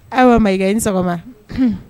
Awa Mayiga ini sɔgɔma